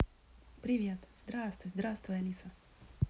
привет здравствуй здравствуй алиса